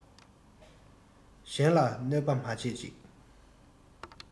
གཞན ལ གནོད པ མ བྱེད ཅིག